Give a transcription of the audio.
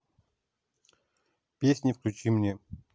песни включи мне